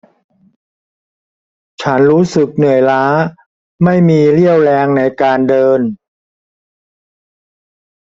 ฉันรู้สึกเหนื่อยล้าไม่มีเรี่ยวแรงในการเดิน